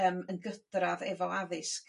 yym yn gydradd efo addysg.